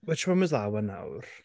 Which one was that one nawr?